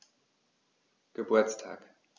Geburtstag